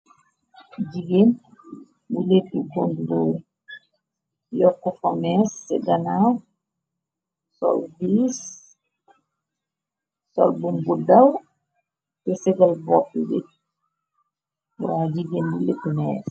Jigéen bu leet yu conurooy yokku fa mees ce ganaaw. Sol bum budaw te segal bopp weg waa jigéen bu lektu nee.